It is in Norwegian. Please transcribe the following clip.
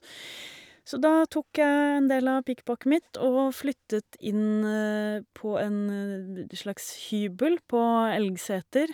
Så da tok jeg en del av pikkpakket mitt og flyttet inn på en bd slags hybel på Elgseter.